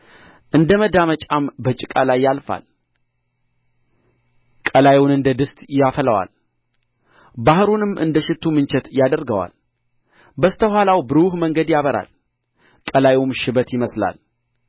እንደ መዳመጫም በጭቃ ላይ ያልፋል ቀላዩን እንደ ድስት ያፈላዋል ባሕሩንም እንደ ሽቱ ምንቸት ያደርገዋል በስተ ኋላው ብሩህ መንገድን ያበራል ቀላዩም ሽበት ይመስላል